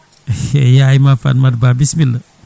e yayma Farmata Ba bisimilla